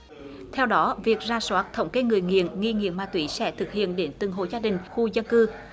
theo đó việc rà soát thống kê người nghiện nghi nghiện ma túy sẽ thực hiện đến từng hộ gia đình khu dân cư